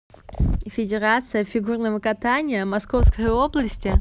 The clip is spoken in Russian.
федерация фигурного катания московской области